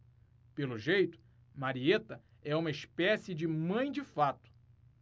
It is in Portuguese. pelo jeito marieta é uma espécie de mãe de fato